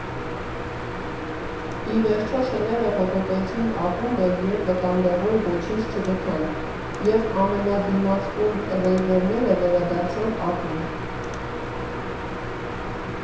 Ի վերջո, շները հոտոտեցին ակումբը և վտանգավոր ոչինչ չգտան, և ամենադիմացկուն ռեյվերները վերադարձան ակումբ։